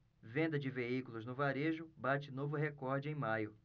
venda de veículos no varejo bate novo recorde em maio